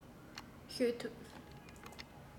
བཤད ཐུབ